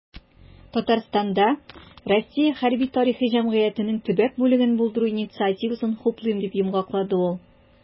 "татарстанда "россия хәрби-тарихи җәмгыяте"нең төбәк бүлеген булдыру инициативасын хуплыйм", - дип йомгаклады ул.